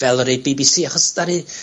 fel y rei Bee Bee See, achos 'dan ni,